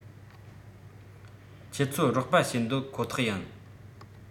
ཁྱེད ཚོ རོགས པ བྱེད འདོད ཁོ ཐག ཡིན